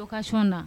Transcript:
L'occasion la.